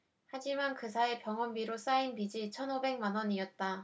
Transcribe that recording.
하지만 그 사이 병원비로 쌓인 빚이 천 오백 만원이었다